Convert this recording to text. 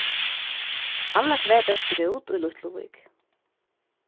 annars var bert grót í lítluvík